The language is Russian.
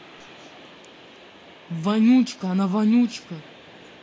вонючка она вонючка